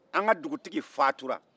an ka dugutigi fatura